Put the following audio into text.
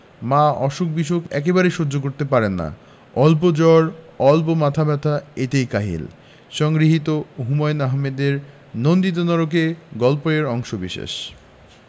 মা অসুখ বিসুখ একেবারেই সহ্য করতে পারেন না অল্প জ্বর অল্প মাথা ব্যাথা এতেই কাহিল সংগৃহীত হুমায়ুন আহমেদের নন্দিত নরকে গল্প এর অংশবিশেষ